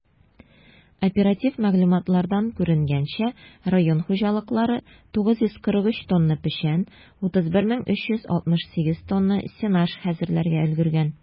Оператив мәгълүматлардан күренгәнчә, район хуҗалыклары 943 тонна печән, 31368 тонна сенаж хәзерләргә өлгергән.